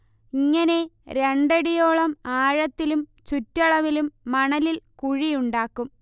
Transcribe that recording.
ഇങ്ങനെ രണ്ടടിയോളം ആഴത്തിലും ചുറ്റളവിലും മണലിൽ കുഴിയുണ്ടാക്കും